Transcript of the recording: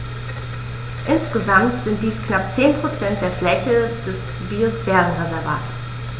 Insgesamt sind dies knapp 10 % der Fläche des Biosphärenreservates.